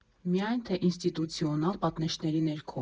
Միայն թե ինստիտուցիոնալ պատնեշների ներքո։